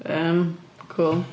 Yym cŵl.